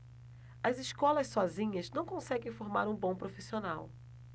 as escolas sozinhas não conseguem formar um bom profissional